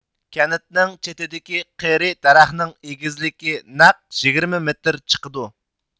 كەنتنىڭ چېتىدىكى قېرى دەرەخنىڭ ئېگىزلىكى نەق يىگىرمە مېتىر چىقىدۇ